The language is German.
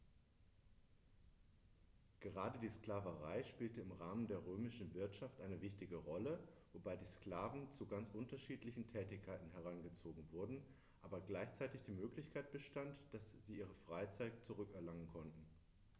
Gerade die Sklaverei spielte im Rahmen der römischen Wirtschaft eine wichtige Rolle, wobei die Sklaven zu ganz unterschiedlichen Tätigkeiten herangezogen wurden, aber gleichzeitig die Möglichkeit bestand, dass sie ihre Freiheit zurück erlangen konnten.